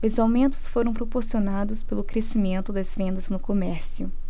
os aumentos foram proporcionados pelo crescimento das vendas no comércio